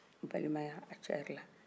balimaya a carin la